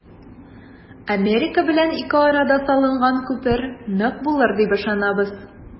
Америка белән ике арада салынган күпер нык булыр дип ышанабыз.